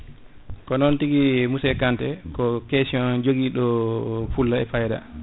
ko non tigui monsieur Kanté ko question joguiɗo fulla e fayida